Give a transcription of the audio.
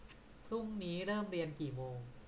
พรุ่งนี้เริ่มเรียนกี่โมง